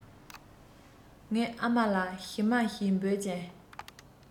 ངའི ཨ མ ལ ཞི མ ཞེས འབོད ཅིང